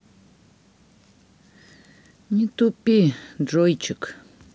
не тупи джойчик